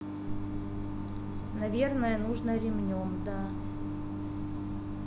наверное нужно ремнем да